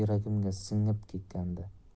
yuragimga singib ketgandi